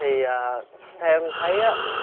thì theo em thấy ớ